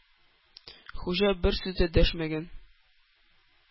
Хуҗа бер сүз дә дәшмәгән.